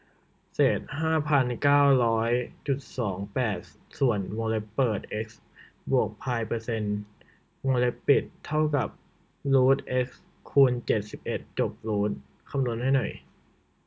เศษห้าพันเก้าร้อยจุดสองแปดส่วนวงเล็บเปิดเอ็กซ์บวกพายเปอร์เซ็นต์วงเล็บปิดเท่ากับรูทเอ็กซ์คูณเจ็ดสิบเอ็ดจบรูทคำนวณให้หน่อย